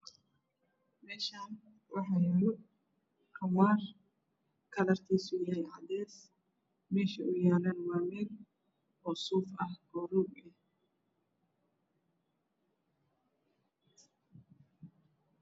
Meeshaani waxaa yaalo qamaar kalarkiisa yahay cadays meesha uu yaalana waa meel suuf ah oo roog ah